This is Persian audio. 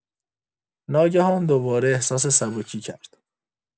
ناگهان دوباره احساس سبکی کرد.